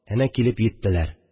Әнә килеп йиттеләр